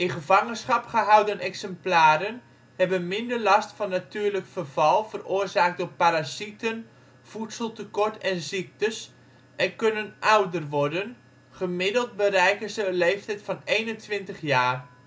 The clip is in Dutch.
gevangenschap gehouden exemplaren hebben minder last van natuurlijk verval veroorzaakt door parasieten, voedseltekort en ziektes, en kunnen ouder worden, gemiddeld bereiken ze een leeftijd van 21 jaar